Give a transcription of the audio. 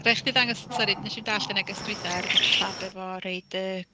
Rhaid i chdi ddangos, sori, nes i'm dalld dy neges dwytha ar GitLab efo roid y...